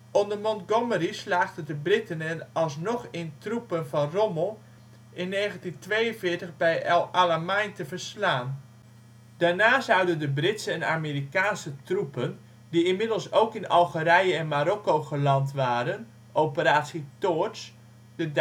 Onder Montgomery slaagden de Britten er alsnog in de troepen van Rommel in 1942 bij El Alamein te verslaan. Daarna zouden de Britse en Amerikaanse troepen, die inmiddels ook in Algerije en Marokko geland waren (operatie Toorts), de